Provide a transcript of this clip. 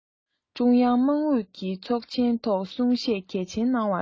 ཀྲུང དབྱང དམག ཨུད ཀྱི ཚོགས ཆེན ཐོག གསུང བཤད གལ ཆེན གནང བ རེད